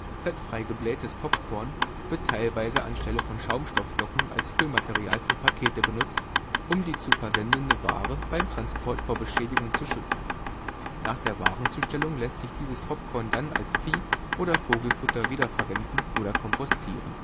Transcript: Fettfrei geblähtes Popcorn wird teilweise anstelle von Schaumstoff-Flocken als Füllmaterial für Pakete benutzt, um die zu versendende Ware beim Transport vor Beschädigung zu schützen. Nach der Warenzustellung lässt sich dieses Popcorn dann als Vieh - oder Vogelfutter wiederverwenden oder kompostieren